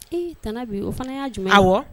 Ee tante Abi o fana y'a jumɛn ,awɔ